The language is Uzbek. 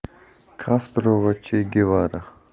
kastro va che gevara